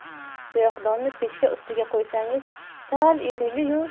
siyohdonni pechka ustiga qo'ysangiz sal eriydi yu